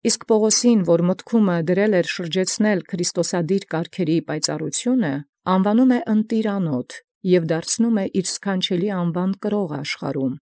Իսկ Պաւղոսի ի մտի եդեալ էր շրջեցուցանել զքրիստոսադիր կարգացն պայծառութիւնն, անաւթ ընտրութեան անուանեալ, անուանակիր յաշխարհի իւրոյ սքանչելի անուանն առնէ։